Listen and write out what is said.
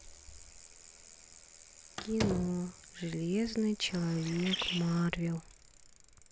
кино железный человек марвел